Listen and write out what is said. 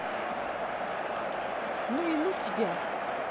ну и ну тебя